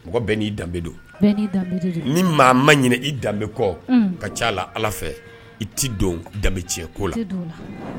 Mɔgɔ bɛɛ n'i danbebe don ni maa ma ɲini i danbebe kɔ ka ca la ala fɛ i t tɛ don danbebe tiɲɛko la